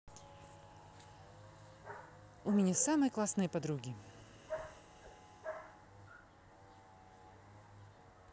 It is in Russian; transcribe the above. у меня самые классные подруги